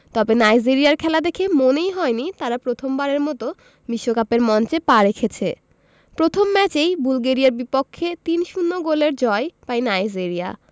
তবে নাইজেরিয়ার খেলা দেখে মনেই হয়নি তারা প্রথমবারের মতো বিশ্বকাপের মঞ্চে পা রেখেছে প্রথম ম্যাচেই বুলগেরিয়ার বিপক্ষে ৩ ০ গোলের জয় পায় নাইজেরিয়া